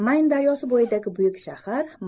mayn daryosi bo'yidagi buyuk shahar